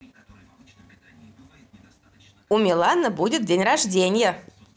у миланы будет день рождения